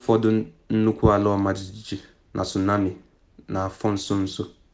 Ndị bụ ụfọdụ nnukwu ala ọmajiji na tsunami n’afọ nso nso: